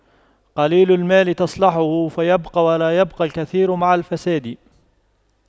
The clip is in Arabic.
قليل المال تصلحه فيبقى ولا يبقى الكثير مع الفساد